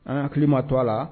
An hakili ma to a la